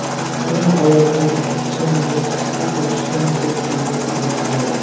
uning oyog'idagi ixcham mo'kkisi toshdan toshga yengil o'tib boradi